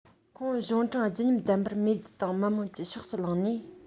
ཁོང གཞུང དྲང བརྗིད ཉམས ལྡན པར མེས རྒྱལ དང མི དམངས ཀྱི ཕྱོགས སུ ལངས ནས